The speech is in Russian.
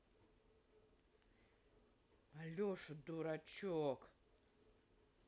алеша дурачок